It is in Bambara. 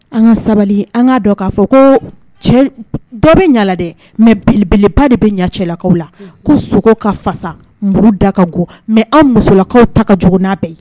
An ka sabali an dɔn k'a fɔ ko dɔ bɛ ɲaga dɛ mɛbeleba de bɛ ɲɛlakaw la ko sogo ka fa da go mɛ an musolakaw ta ka jna bɛɛ yen